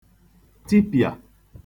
tipị̀a